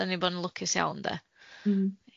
'Da ni'n bod yn lwcus iawn 'de.